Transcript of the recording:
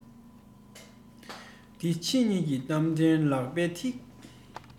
འདི ཕྱི གཉིས ཀྱི གཏམ དོན ལག པའི མཐིལ